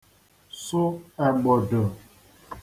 sụ ègbụ̀dụ̀